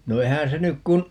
no eihän se nyt kun